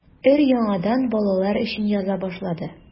Өр-яңадан балалар өчен яза башлады.